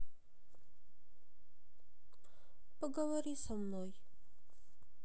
поговори со мной